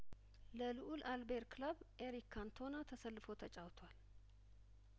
ለልኡል አልቤር ክለብ ኤሪክ ካንቶና ተሰልፎ ተጫውቷል